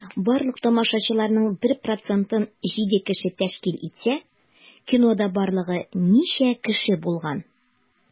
Барлык тамашачыларның 1 процентын 7 кеше тәшкил итсә, кинода барлыгы ничә кеше булган?